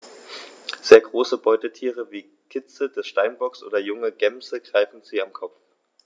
Sehr große Beutetiere wie Kitze des Steinbocks oder junge Gämsen greifen sie am Kopf.